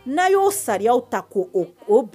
'a y'o sariyaya ta ko o o